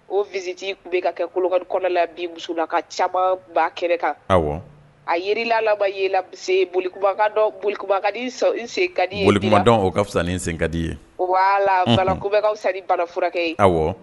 O viti tun bɛ ka kɛ kolokan kɔnɔ la bi muso na ka caba kɛrɛ kan aw a yela laban yebakadɔ bolibakadi sen kadi bolikuma dɔn o ka fisasa senkadi ye wala fala ko bɛ kaaw fisa banaf furakɛ ye aw